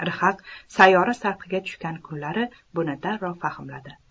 rhaq sayyora sathiga tushgan kunlari buni darrov fahmladi